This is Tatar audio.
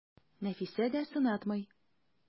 Нәфисә дә сынатмый.